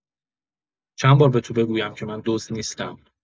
چند بار به تو بگویم که من دزد نیستم.